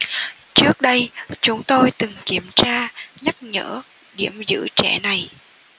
trước đây chúng tôi từng kiểm tra nhắc nhở điểm giữ trẻ này